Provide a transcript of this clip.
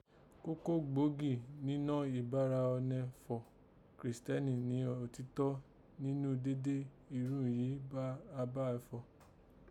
Kókó gbòógì ninọ́ ìbára ọnẹ fọ̀ kìrìsìtẹ́nì ni òtítọ́ nínú dede irun yìí a bá fọ̀